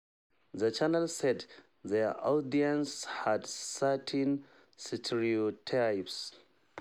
The channel said their audience had "certain stereotypes"